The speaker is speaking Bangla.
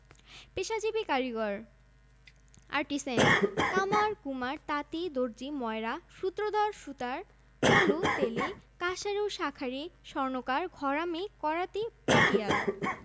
পেশাজীবী কারিগরঃ আর্টিসেন্স কামার কুমার তাঁতি দর্জি ময়রা সূত্রধর সুতার কলু তেলী কাঁসারু শাঁখারি স্বর্ণকার ঘরামি করাতি পাটিয়াল